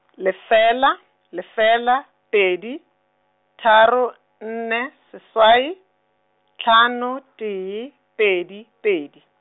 lefela, lefela, pedi, tharo, nne, seswai, tlhano, tee, pedi, pedi.